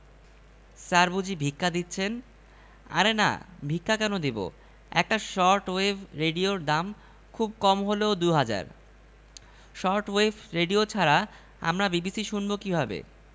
পেছনের প্রতিটি রিকশায় দু জন করে কর্মী বসা তাঁরা চেঁচিয়ে বলছে আছে কি খবর কুমীর কার কুমীর সিদ্দিক সাহেবের কুমীর